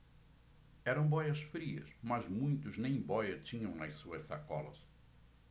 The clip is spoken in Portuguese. eram bóias-frias mas muitos nem bóia tinham nas suas sacolas